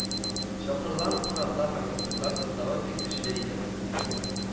Чакырлан кунаклар һәм экспертлар составы бик көчле иде